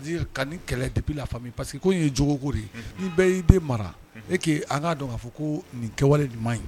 dire ka nin kɛlɛ dépuis la famille parce queko ye jogoko de ye, unhun, ni bɛɛ y'i den mara et que an k'a dɔn k'a fɔ ko nin kɛwale ɲuman in